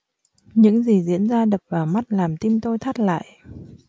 những gì diễn ra đập vào mắt làm tim tôi thắt lại